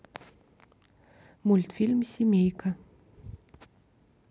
мультфильм семейка